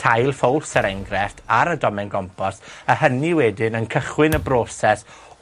tail ffowls, er enghrefft, ar a domen gompos, a hynny wedyn yn cychwyn y broses